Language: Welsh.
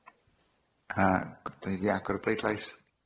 Ac wedi agor y bleidlais